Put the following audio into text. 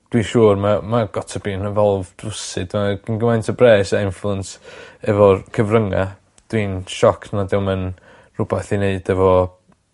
dwi siŵr ma' mae o got to be yn involved rywsud gin gymaint o bres a influence efo'r cyfrynga dwi'n sioced nad o'm yn rhwbath i neud efo